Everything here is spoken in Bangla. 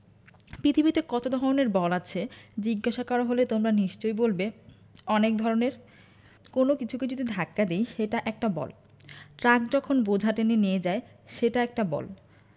পিথিবীতে কত ধরনের বল আছে জিজ্ঞেস করা হলে তোমরা নিশ্চয়ই বলবে অনেক ধরনের কোনো কিছুকে যদি ধাক্কা দিই সেটা একটা বল ট্রাক যখন বোঝা টেনে নিয়ে যায় সেটা একটা বল